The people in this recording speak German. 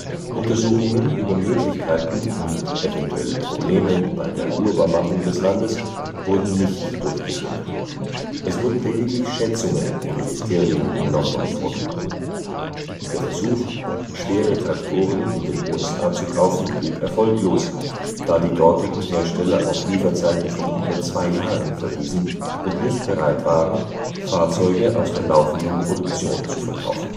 Untersuchungen über Möglichkeiten und evtl. Probleme bei der Urbarmachung des Landes wurden nicht durchgeführt, es wurden lediglich Schätzungen im Ministerium in London vorgenommen. Der Versuch, schwere Traktoren in den USA zu kaufen, blieb erfolglos, da die dortigen Hersteller auf Lieferzeiten von über zwei Jahren verwiesen und nicht bereit waren, Fahrzeuge aus der laufenden Produktion zu verkaufen